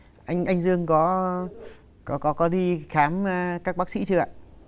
anh anh dương có có có có đi khám a các bác sĩ chưa ạ